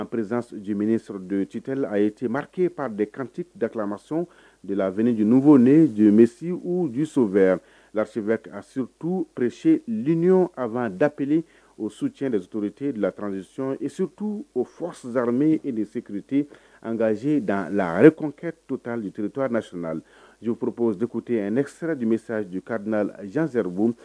Anprezjminɛen sɔrɔtitel a yete maririkee'a de kante daramas de lajfɔ ni joresi ujusofɛ lasifɛtu resie l araba dap o suy deurrote latranzsictutu o fɔsizarome de seurtee an kaze da lare kɔnkɛ to taa tiriurt nas surpo depte ne sera demi seju kadzzeribu